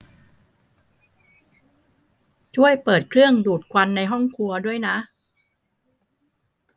ช่วยเปิดเครื่องดูดควันในห้องครัวด้วยนะ